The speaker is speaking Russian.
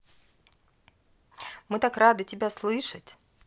мы так рады тебя слышать